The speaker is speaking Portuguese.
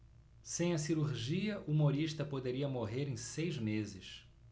sem a cirurgia humorista poderia morrer em seis meses